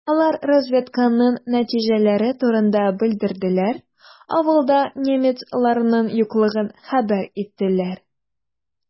Алар разведканың нәтиҗәләре турында белдерделәр, авылда немецларның юклыгын хәбәр иттеләр.